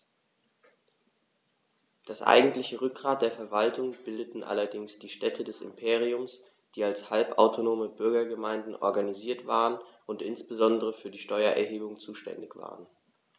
Das eigentliche Rückgrat der Verwaltung bildeten allerdings die Städte des Imperiums, die als halbautonome Bürgergemeinden organisiert waren und insbesondere für die Steuererhebung zuständig waren.